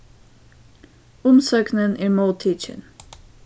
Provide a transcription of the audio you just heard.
umsóknin er móttikin